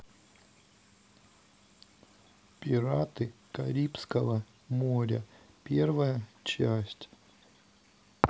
пираты карибского моря первая часть